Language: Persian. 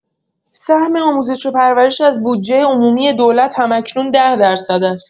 سهم آموزش و پرورش از بودجه عمومی دولت هم‌اکنون ۱۰ درصد است.